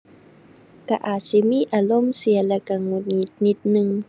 ก็อาจสิมีอารมณ์เสีย แล้วก็หงุดหงิดนิดหนึ่ง